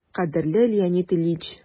«кадерле леонид ильич!»